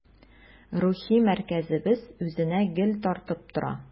Рухи мәркәзебез үзенә гел тартып тора.